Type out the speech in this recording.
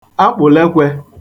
akpụ̀lekwē